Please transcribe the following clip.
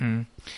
Hmm.